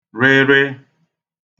-rịrị